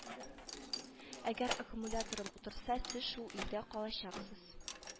Әгәр аккумуляторым утырса сез шул илдә калачаксыз